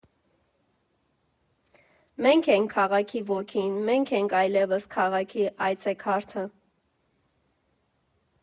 Մենք ենք քաղաքի ոգին, մենք ենք այլևս քաղաքի այցեքարտը։